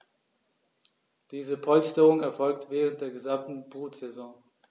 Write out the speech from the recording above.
Diese Polsterung erfolgt während der gesamten Brutsaison.